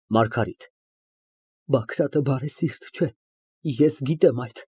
ՄԱՐԳԱՐԻՏ ֊ Բագրատը բարեսիրտ չէ, ես գիտեմ այդ։